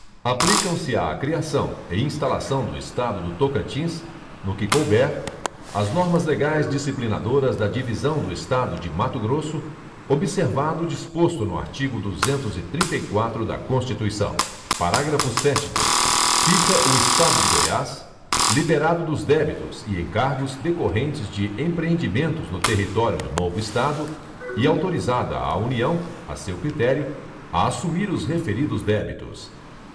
aplicam se à criação e instalação do estado do tocantins no que couber as normas legais disciplinadoras da divisão do estado de mato grosso observado o disposto no artigo duzentos e trinta e quatro da constituição parágrafo sétimo fica o estado de goiás liberado dos débitos e encargos decorrentes de empreendimentos no território do novo estado e autorizada a união a seu critério a assumir os referidos débitos